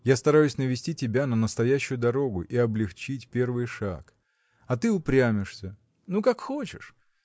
я стараюсь навести тебя на настоящую дорогу и облегчить первый шаг а ты упрямишься ну, как хочешь